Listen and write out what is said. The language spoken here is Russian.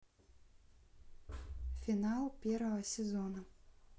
финал первого сезона